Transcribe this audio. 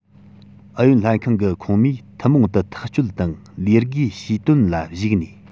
ཨུ ཡོན ལྷན ཁང གི ཁོངས མིས ཐུན མོང དུ ཐག གཅོད དང ལས བགོས བྱས དོན ལ གཞིགས ནས